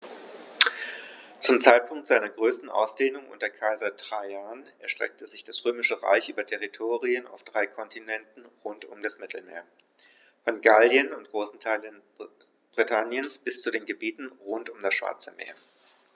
Zum Zeitpunkt seiner größten Ausdehnung unter Kaiser Trajan erstreckte sich das Römische Reich über Territorien auf drei Kontinenten rund um das Mittelmeer: Von Gallien und großen Teilen Britanniens bis zu den Gebieten rund um das Schwarze Meer.